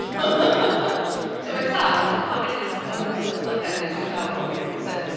Timod, mae hi'n sâl. So hi'n cael mynd i'r ysgol, oherwydd ti gorfod cael pedwar deg wyth awr ar ôl iddi fod yn sick.